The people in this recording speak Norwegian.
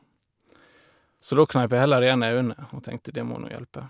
Så da kneip jeg heller igjen øynene, og tenkte Det må nå hjelpe.